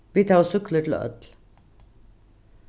vit hava súkklur til øll